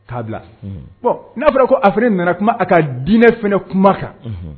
' n'a fɔra ko afiri nana kuma a ka diinɛ fana kuma kan